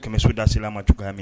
Kɛmɛ so das ma cogoyaya minɛ